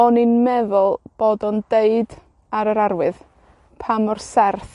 O'n i'n meddwl bod o'n deud ar yr arwydd pa mor serth